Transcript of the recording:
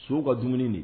So ka dumuni de